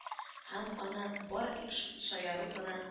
Һәм аны бары тик шул шаяру гына